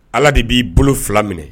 Ala de b'i bolo fila minɛ